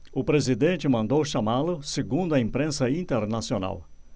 o presidente mandou chamá-lo segundo a imprensa internacional